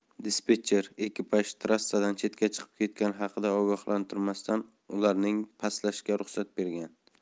dispetcher ekipaj trassadan chetga chiqib ketgani haqida ogohlantirmasdan ularning pastlashiga ruxsat bergan